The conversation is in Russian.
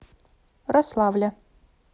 рославля